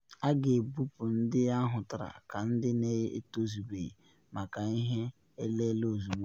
A ga-ebupu ndị ahụtara ka ndị na etozughi maka ihe elele ozugbo.